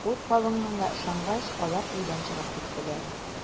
Ут кабынганга ышангач, алар өйдән чыгып киттеләр.